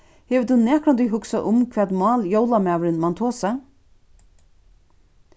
hevur tú nakrantíð hugsað um hvat mál jólamaðurin man tosa